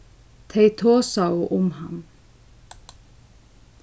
tey tosaðu um hann